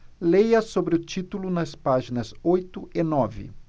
leia sobre o título nas páginas oito e nove